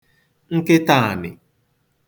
nkịtāànị̀